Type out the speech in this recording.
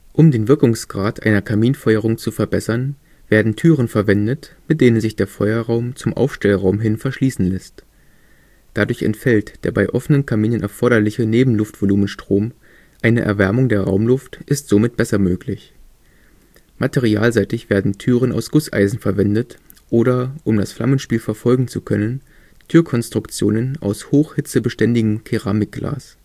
Um den Wirkungsgrad einer Kaminfeuerung zu verbessern, werden Türen verwendet, mit denen sich der Feuerraum zum Aufstellraum hin verschließen lässt. Dadurch entfällt der bei offenen Kaminen erforderliche Nebenluftvolumenstrom, eine Erwärmung der Raumluft ist somit besser möglich. Materialseitig werden Türen aus Gusseisen verwendet oder – um das Flammenspiel verfolgen zu können – Türkonstruktionen aus hochhitzebeständigem Keramikglas